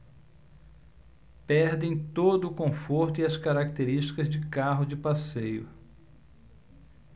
perdem todo o conforto e as características de carro de passeio